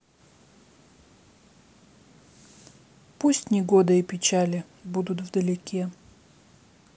пусть негода и печали будут вдалеке